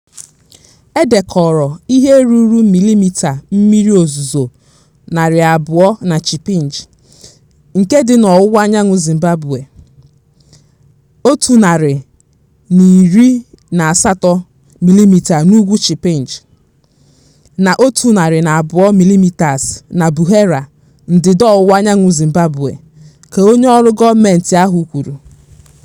"E dekọrọ ihe ruru milimita mmiri ozuzo 200 na Chipinge [nke dị n'ọwụwaanyanwụ Zimbabwe], 118 milimita n'ugwu Chipinge, na 102 milimitas na Buhera [ndịda ọwụwaanyanwụ Zimbabwe]," ka onyeọrụ gọọmentị ahụ kwuru.